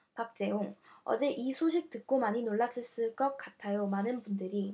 박재홍 어제 이 소식 듣고 많이 놀라셨을 것 같아요 많은 분들이